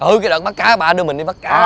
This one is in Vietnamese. ừ cái đoạn bắt cá bà đưa mình đi bắt cá